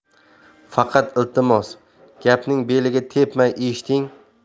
faqat iltimos gapning beliga tepmay eshiting